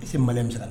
I se mali mi